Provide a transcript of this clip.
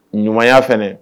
Ɲumanya fana